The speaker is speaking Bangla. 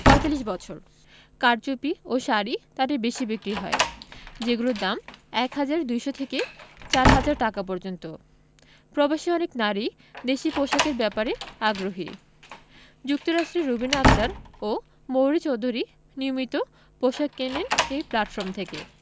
৪৫ বছর কারচুপি ও শাড়ি তাঁদের বেশি বিক্রি হয় যেগুলোর দাম ১ হাজার ২০০ থেকে ৪ হাজার টাকা পর্যন্ত প্রবাসী অনেক নারীই দেশি পোশাকের ব্যাপারে আগ্রহী যুক্তরাষ্ট্রের রুবিনা আক্তার ও মৌরি চৌধুরী নিয়মিত পোশাক কেনেন এই প্ল্যাটফর্ম থেকে